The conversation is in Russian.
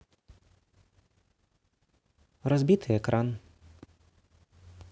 разбитый экран